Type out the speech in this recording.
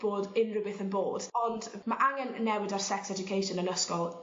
bod unrywbeth yn bod ond ma' angen newid ar sex education yn ysgol